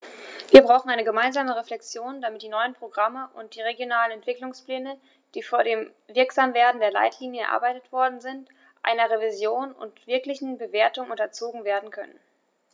Wir brauchen eine gemeinsame Reflexion, damit die neuen Programme und die regionalen Entwicklungspläne, die vor dem Wirksamwerden der Leitlinien erarbeitet worden sind, einer Revision und wirklichen Bewertung unterzogen werden können.